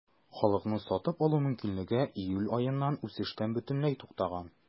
Халыкның сатып алу мөмкинлеге июль аеннан үсештән бөтенләй туктаган.